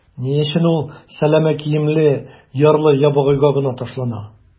Ни өчен ул сәләмә киемле ярлы-ябагайга гына ташлана?